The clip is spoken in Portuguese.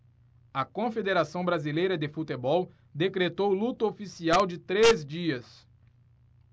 a confederação brasileira de futebol decretou luto oficial de três dias